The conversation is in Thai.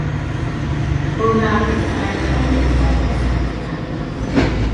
กรุณาปิดไฟในห้องเก็บของให้ฉันหน่อยนะ